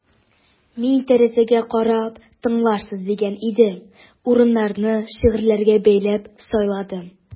Мин тәрәзәгә карап тыңларсыз дигән идем: урыннарны шигырьләргә бәйләп сайладым.